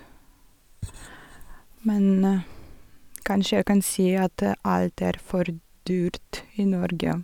Men kanskje jeg kan si at alt er for dyrt i Norge.